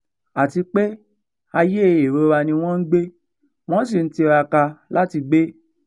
Àti pé ayé ìrora ni wọ́n ń gbé, wọ́n sì ń tiraka láti gbé.